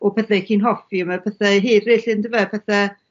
o bethe 'ych ci'n hoffi ma' pethe heryll undyfe pethe...